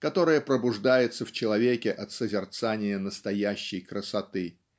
которое пробуждается в человеке от созерцания настоящей красоты.